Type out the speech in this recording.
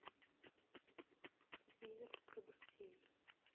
зиверт про друзей